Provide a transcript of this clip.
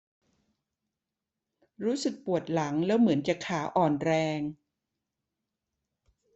รู้สึกปวดหลังแล้วเหมือนจะขาอ่อนแรง